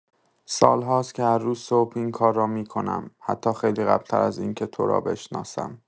سال‌هاست که هر روز صبح این کار را می‌کنم؛ حتی خیلی قبل‌‌تر از این‌که تو را بشناسم.